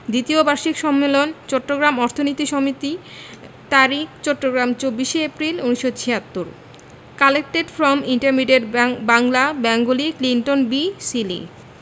দ্বিতীয় বার্ষিক সম্মেলন চট্টগ্রাম অর্থনীতি সমিতি তারিখ চট্টগ্রাম ২৪শে April ১৯৭৬ collected from intermediate Bangla Bengali Clinton B Seely